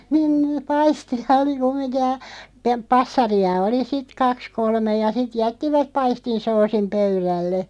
niin - paistia oli kumminkin ja - passareita oli sitten kaksi kolme ja sitten jättivät paistin soosin pöydälle